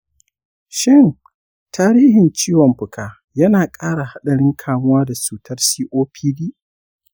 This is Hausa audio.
shin tarihin ciwon fuka yana ƙara haɗarin kamuwa da cutar copd?